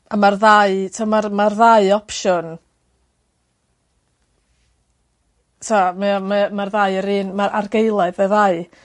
A ma'r ddau t'ma'r ma'r ddau opsiwn t'o' mae o mae o ma''r ddau yr un ma' argaeledd y ddau